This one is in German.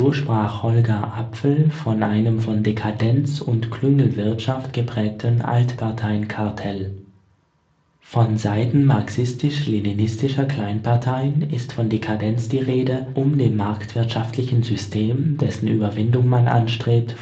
sprach Holger Apfel von einem von „ Dekadenz und Klüngelwirtschaft geprägten Altparteienkartell “. Von Seiten marxistisch-leninistischer Kleinparteien ist von Dekadenz die Rede, um dem marktwirtschaftlichen System, dessen Überwindung man anstrebt